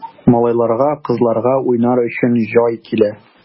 Малайларга, кызларга уйнар өчен җай килә!